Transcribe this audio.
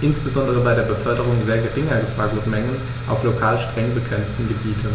insbesondere bei der Beförderung sehr geringer Gefahrgutmengen auf lokal streng begrenzten Gebieten.